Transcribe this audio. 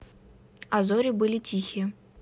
а зори были тихие